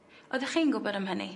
Oeddech chi'n gwbod am hynny?